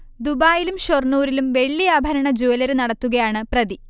ദുബായിലും ഷൊർണൂരിലും വെള്ളിആഭരണ ജൂവലറി നടത്തുകയാണ് പ്രതി